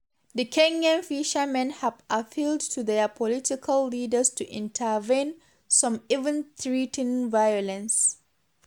The Kenyan fishermen have appealed to their political leaders to intervene, some even threatening violence.